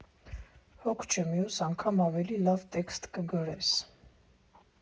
Հոգ չէ, մյուս անգամ ավելի լավ տեքստ կգրես։